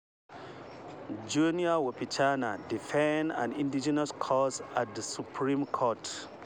Joenia Wapichana defending an indigenous cause at the Supreme Court.